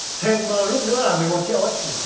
thêm lúc nữa là mười một triệu ấy